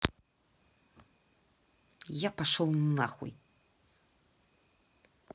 я пошел нахуй